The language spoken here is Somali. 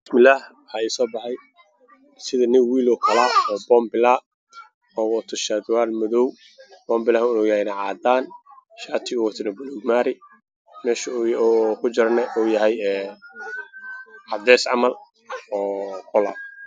Waxaa ii muuqda boom bala caddaan waxaa ku jira shati gacmo dheero ah meesha uu yaalay waa qaxooy darbiya ka danbeeyo oo cadaan